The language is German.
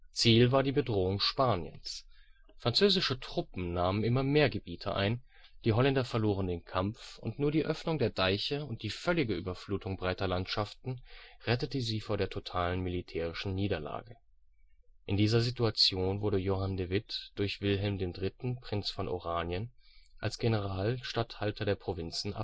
Ziel war die Bedrohung Spaniens. Französische Truppen nahmen immer mehr Gebiete ein, die Holländer verloren den Kampf und nur die Öffnung der Deiche und die völlige Überflutung breiter Landschaften rettete sie vor der totalen militärischen Niederlage. In dieser Situation wurde Johan de Witt durch Wilhelm III. Prinz von Oranien als Generalstatthalter der Provinzen